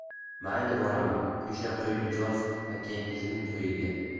mayli boraman o'sha qo'ymijoz akangizning to'yiga